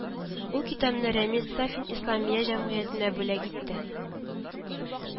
Ул китапны Рамис Сафин Исламия җәмгыятенә бүләк итте